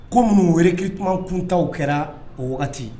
Ko minnu weleki kuma kuntaw kɛra o waati